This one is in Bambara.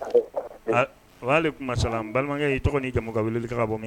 walekuma salamu, n balimakɛ i tɔgɔ n'i jamu ka wueleli kɛ ka bɔ min